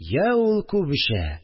Йа ул күп эчә